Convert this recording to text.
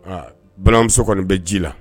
Balimamuso kɔni bɛ ji la